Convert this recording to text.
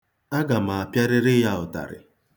Aga m apịarịrị ya ụtarị.